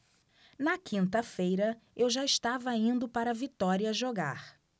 na quinta-feira eu já estava indo para vitória jogar